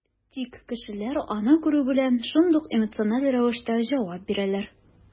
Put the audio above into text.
Тик кешеләр, аны күрү белән, шундук эмоциональ рәвештә җавап бирәләр.